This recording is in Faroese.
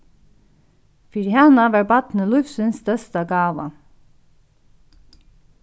fyri hana var barnið lívsins størsta gáva